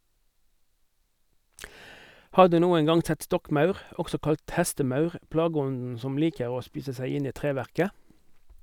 Har du noen gang sett stokkmaur, også kalt hestemaur, plageånden som liker å spise seg inn i treverket?